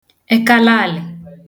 ekala àlị̀